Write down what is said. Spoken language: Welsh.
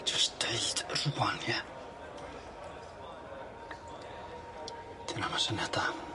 Jyst deud rŵan ie? 'Dyw wna'm y' syniad da.